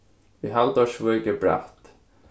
í haldórsvík er bratt